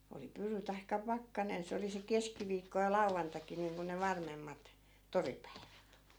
oli pyry tai pakkanen se oli se keskiviikko ja lauantaikin niin kuin ne varmemmat toripäivät